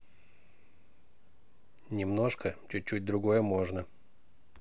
немножко чуть чуть другое можно